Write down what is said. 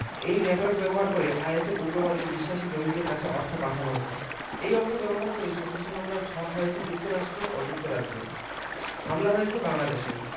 এই নেটওয়ার্ক ব্যবহার করে আইএসের উগ্রবাদে বিশ্বাসী জঙ্গিদের কাছে অর্থ পাঠানো হতো এই অর্থ ব্যবহার করেই সন্ত্রাসী হামলার ছক হয়েছে যুক্তরাষ্ট্র ও যুক্তরাজ্যে হামলা হয়েছে বাংলাদেশেও